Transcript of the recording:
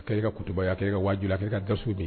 A ka kutuba a kɛ ka wajibila a ka da so de ye